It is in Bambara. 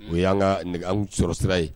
O ye' ka nɛgɛ sɔrɔ sira ye